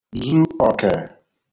zu ọ̀kè